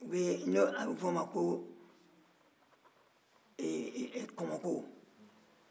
u bɛ a bɛ f'o ma ko kɔmɔko